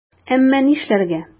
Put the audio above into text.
Әмма нишләргә?!